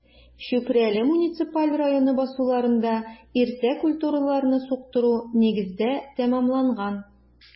Чүпрәле муниципаль районы басуларында иртә культураларны суктыру нигездә тәмамланган.